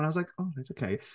And I was like, oh, right, ok.